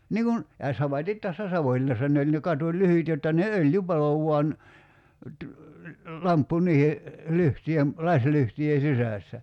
niin kun ja samaten tässä Savonlinnassa ne oli ne katulyhdyt jotta ne öljy paloi vain - lamppu niiden lyhtyjen lasilyhtyjen sisässä